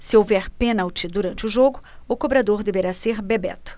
se houver pênalti durante o jogo o cobrador deverá ser bebeto